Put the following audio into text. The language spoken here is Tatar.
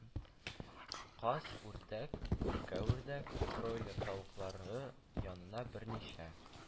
Каз, үрдәк, күркә-үрдәк, бройлер тавыклары янына берничә